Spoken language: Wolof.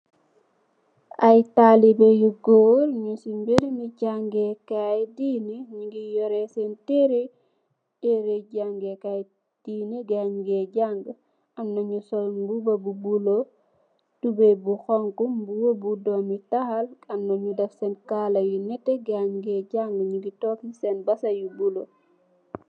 Ayyy talibeh yu gorr yu jangeh Kai ñinngi yoreh sen terreh tere jangeh kai Yi gayi ñingi janga Amna ñusol mbuba bu bulo tuboy bu xonxu mbuba bu domi tall amna ñudeff sen kala yu netteh gayi ñungi janga ñingi tok sisen bassang yu bulo.